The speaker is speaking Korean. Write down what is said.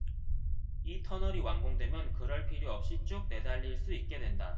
이 터널이 완공되면 그럴 필요 없이 쭉 내달릴 수 있게 된다